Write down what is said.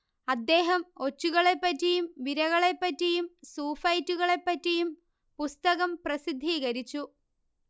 അദ്ദേഹം ഒച്ചുകളെപ്പറ്റിയും വിരകളെപ്പറ്റിയും സൂഫൈറ്റുകളെപ്പറ്റിയും പുസ്തകം പ്രസിദ്ധീകരിച്ചു